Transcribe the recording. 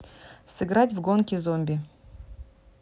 сыграть в гонки zombie